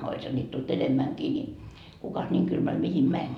olisihan niitä tullut enemmänkin niin kukas niin kylmällä mihin meni